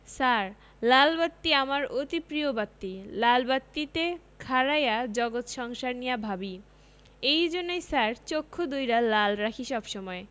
ছার লাল বাত্তি আমার অতি প্রিয় বাত্তি লাল বাত্তি তে খাড়ায়া জগৎ সংসার নিয়া ভাবি এইজন্য ছার চোক্ষু দুউডা লাল রাখি সব সময়